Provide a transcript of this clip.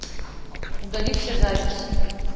удали все записи